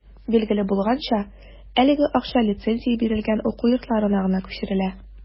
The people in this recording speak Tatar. Билгеле булганча, әлеге акча лицензия бирелгән уку йортларына гына күчерелә.